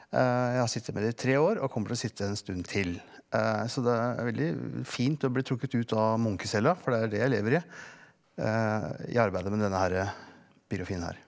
jeg har sittet med det i tre år og kommer til å sitte i en stund til så det er er veldig fint å bli trukket ut av munkecella for det er det jeg lever i i arbeidet med denne herre biografien her.